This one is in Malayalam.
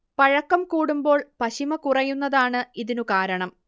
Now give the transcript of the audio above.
പഴക്കം കൂടുമ്പോൾ പശിമ കുറയുന്നതാണ് ഇതിനു കാരണം